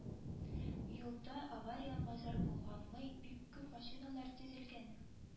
Юлда авария-мазар булганмы бик күп машиналар тезелгән